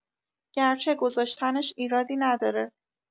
گرچه گذاشتنش ایرادی نداره